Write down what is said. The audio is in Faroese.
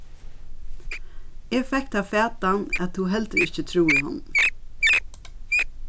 eg fekk ta fatan at tú heldur ikki trúði honum